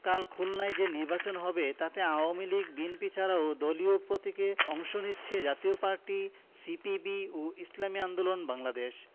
কাল খুলনায় যে নির্বাচন হবে তাতে আওয়ামী লীগ বিএনপি ছাড়াও দলীয় প্রতীকে অংশ নিচ্ছে জাতীয় পার্টি সিপিবি ও ইসলামী আন্দোলন বাংলাদেশ